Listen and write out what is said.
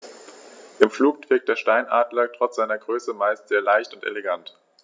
Im Flug wirkt der Steinadler trotz seiner Größe meist sehr leicht und elegant.